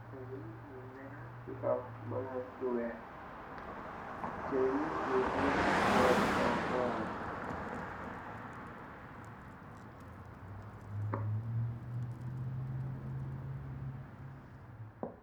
Chaine yii njungy neka cii kaw maalan bu wekh, chaine yii mungy ameh garab bu hawah ohrance.